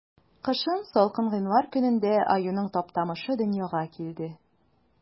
Кышын, салкын гыйнвар көнендә, аюның Таптамышы дөньяга килде.